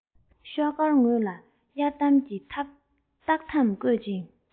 ཤོག དཀར ངོས ལ གཡར དམ གྱི རྟགས ཐམ བཀོད ཅིང